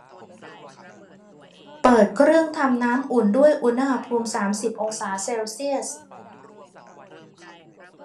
เปิดเครื่องทำน้ำอุ่นด้วยอุณหภูมิสามสิบองศาเซลเซียส